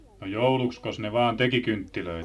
no jouluksikos ne vain teki kynttilöitä